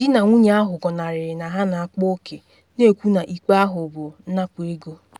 Di na nwunye ahụ gọnarịrị na ha na akpa oke, na ekwu na ikpe ahụ bụ “nnapụ ego.”